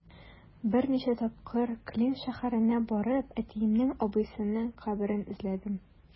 Берничә тапкыр Клин шәһәренә барып, әтиемнең абыйсының каберен эзләдем.